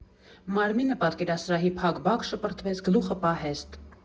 Մարմինը պատկերասրահի փակ բակ շպրտվեց, գլուխը՝ պահեստ։